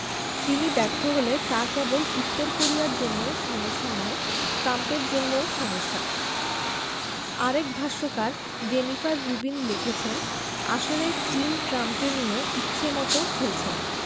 তিনি ব্যর্থ হলে তা কেবল উত্তর কোরিয়ার জন্য সমস্যা নয় ট্রাম্পের জন্যও সমস্যা আরেক ভাষ্যকার জেনিফার রুবিন লিখেছেন আসলে কিম ট্রাম্পকে নিয়ে ইচ্ছেমতো খেলছেন